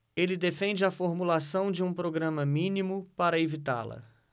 ele defende a formulação de um programa mínimo para evitá-la